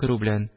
Керү белән